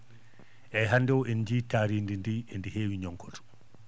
eeyi hannde o en njiyii taaridi ndi edi heewi ñoŋkoto